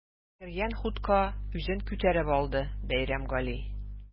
Кергән хутка үзен күтәреп алды Бәйрәмгали.